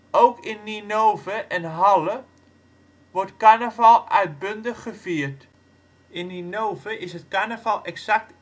Ook in Ninove en Halle wordt carnaval uitbundig gevierd. In Ninove is het carnaval exact